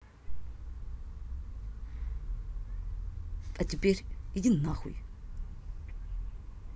а теперь иди нахуй